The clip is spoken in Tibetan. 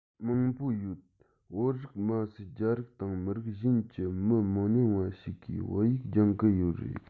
མང པོ ཡོད བོད རིགས མ ཟད རྒྱ རིགས དང མི རིགས གཞན གྱི མི མི ཉུང བ ཞིག གིས བོད ཡིག སྦྱོང གི ཡོད རེད